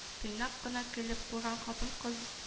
Тыйнак кына көлеп куйган хатын-кыз